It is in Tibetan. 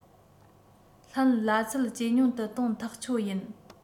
ལྷན གླ ཚད ཇེ ཉུང དུ གཏོང ཐག ཆོད ཡིན